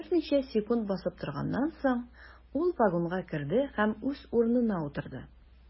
Берничә секунд басып торганнан соң, ул вагонга керде һәм үз урынына утырды.